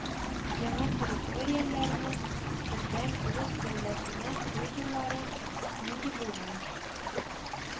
Яңа территорияләрнең бердәм Рус дәүләтенә керү юллары нинди булган